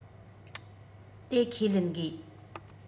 དེ ཁས ལེན དགོས